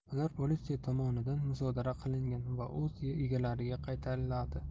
ular politsiya tomonidan musodara qilingan va o'z egalariga qaytariladi